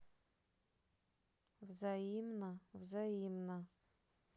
взаимно взаимно